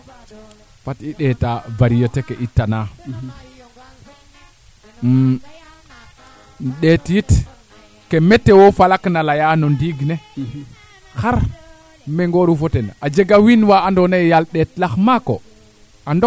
leeke leek de liila ñawa ke den paal ke mbuqti tel maana a ngara ndef teen to njege maa liil na raange maaxo le bo a taxa xaƴa a soɓ anga a waaga prevoir el o wurmando la ando naye a waaga lire el